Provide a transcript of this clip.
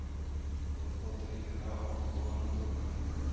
Кулы калтырый яра авыртуы онытылган иде